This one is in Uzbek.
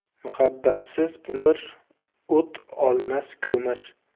muhabbatsiz umr o't olmas ko'mir